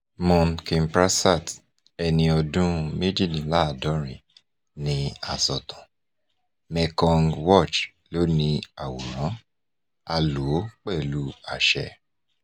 Mun Kimprasert, ẹni ọdún 68. ni asọ̀tàn, Mekong Watch ló ni àwòrán, a lò ó pẹ̀lú àṣẹ.